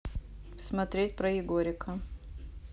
смотреть про егорика